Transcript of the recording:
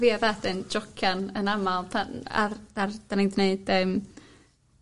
fi a dat yn jocian yn amal pan a'r a'r 'dan ni'n 'di neud yym